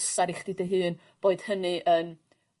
amsar i chdi dy hun boed hynny yn